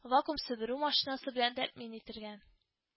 Вакуум-себерү машинасы белән тәэмин ителгән